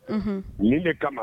Un nin de kama